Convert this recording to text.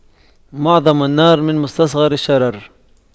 معظم النار من مستصغر الشرر